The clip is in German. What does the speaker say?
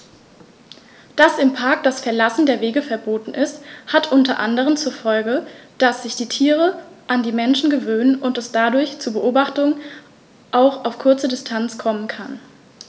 Dass im Park das Verlassen der Wege verboten ist, hat unter anderem zur Folge, dass sich die Tiere an die Menschen gewöhnen und es dadurch zu Beobachtungen auch auf kurze Distanz kommen kann.